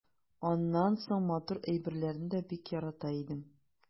Аннан соң матур әйберләрне дә бик ярата идем.